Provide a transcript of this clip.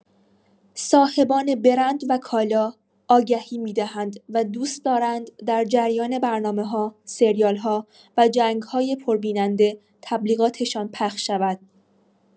صاحبان برند و کالا، آگهی می‌دهند و دوست دارند در جریان برنامه‌‌ها، سریال‌ها و جنگ‌های پربیننده تبلیغات‌شان پخش شود.